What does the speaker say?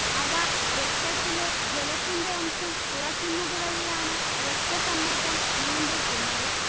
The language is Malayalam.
അവ രക്തത്തിലെ ജലത്തിന്റെ അംശം കുറയ്ക്കുന്നത് വഴിയാണ് രക്തസമ്മർദ്ദം നിയന്ത്രിക്കുന്നത്